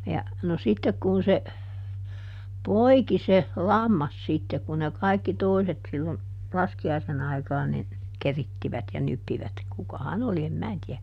ja no sitten kun se poiki se lammas sitten kun ne kaikki toiset silloin laskiaisen aikaan niin keritsivät ja nyppivät kukahan oli en minä tiedä